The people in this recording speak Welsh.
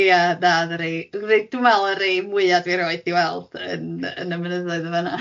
Ie na oedd y rei dwi dwi'n meddwl y rei mwya dwi erioed di weld yn yn y mynyddoedd yn fan'na.